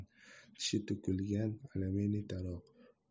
tishi to'kilgan alyumin taroq